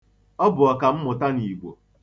Ọ bụ ọkammụta n'Igbo.